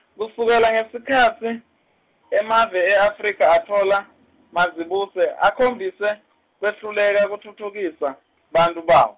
kusukela ngesikhatsi emave e-Afrika atfola mazibuse akhombise kwehluleka kutfutfukisa bantfu bawo.